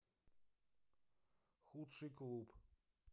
худший клуб